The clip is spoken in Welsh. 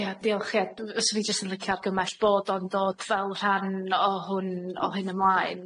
Ia, diolch. Ia dw- fyse fi'n jyst yn licio argymell bod o'n dod fel rhan o hwn o hyn ymlaen,